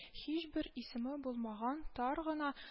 Һичбер исеме булмаган тар гына